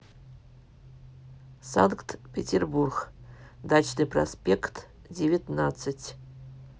санкт петербург дачный проспект девятнадцать